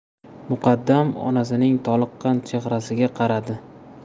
muqaddam onasining toliqqan chehrasiga qaradi